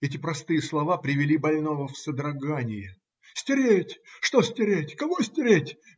Эти простые слова привели больного в содрогание. "Стереть!. Что стереть? Кого стереть?